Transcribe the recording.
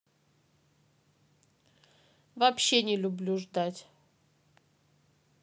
вообще не люблю ждать